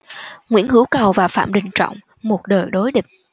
nguyễn hữu cầu và phạm đình trọng một đời đối địch